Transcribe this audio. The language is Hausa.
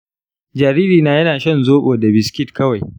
jariri na yana shan zobo da biskit kawai.